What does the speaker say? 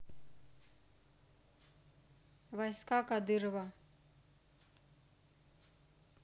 войска кадырова